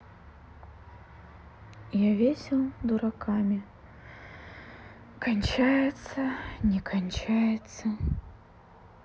я весел дураками кончается не кончается